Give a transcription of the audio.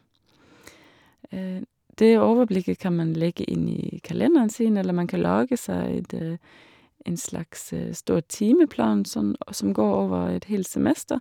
Det overblikket kan man legge inn i kalenderen sin, eller man kan lage seg det en slags stor timeplan sånn og som går over et helt semester.